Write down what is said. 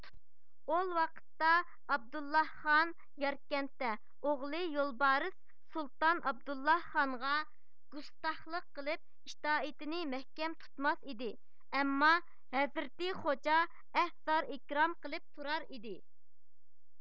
ئول ۋاقىتتا ئابدۇللاھخان ياركەندتە ئوغلى يولبارىس سۇلتان ئابدۇللاھخانغا گۇستاخلىق قىلىپ ئىتائىتىنى مەھكەم تۇتماس ئىدى ئەمما ھەزرىتى خوجا ئەئىزاز ئىكرام قىلىپ تۇرارئىدى